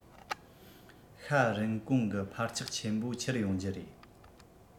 ཤ རིན གོང གྱི འཕར ཆག ཆེན པོ ཁྱེར ཡོང རྒྱུ རེད